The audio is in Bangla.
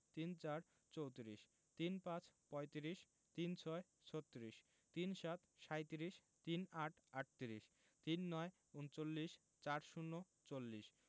৩৪ - চৌত্রিশ ৩৫ - পঁয়ত্রিশ ৩৬ - ছত্রিশ ৩৭ - সাঁইত্রিশ ৩৮ - আটত্রিশ ৩৯ - ঊনচল্লিশ ৪০ - চল্লিশ